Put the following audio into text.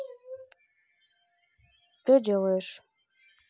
че делаешь